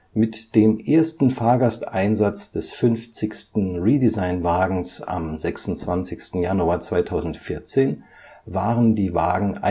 Mit dem ersten Fahrgasteinsatz des 50. Redesign-Wagens (Nr. 2167) am 26. Januar 2014 waren die Wagen